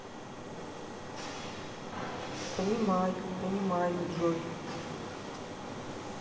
понимаю понимаю джой